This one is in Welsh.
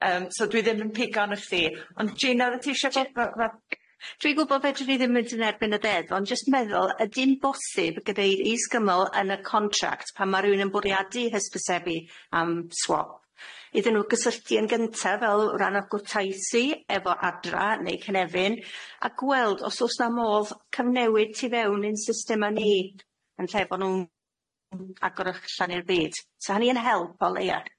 Yym so dwi ddim yn pigo arno chdi ond Gina odda ti isio bo' bo' bo' dwi gwbo' fedri fi ddim mynd yn erbyn y ddeddf ond jyst meddwl ydi'n bosib gadeir is gymal yn y contract pan ma' rywun yn bwriadu hysbysebu am swop iddyn nw gysylltu yn gynta fel rhan o gwrtaisi efo Adra neu Cynefin a gweld os o's na modd cyfnewid tu fewn i'n systema ni yn lle fo' nw'n agor allan i'r byd sa hynny yn help o leia.